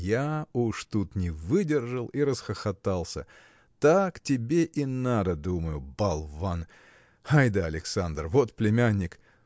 Я уж тут не выдержал и расхохотался. Так тебе и надо, думаю, болван! Ай да Александр! вот племянник!